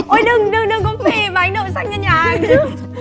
ôi đừng đừng có phì bánh đậu xanh lên nhà anh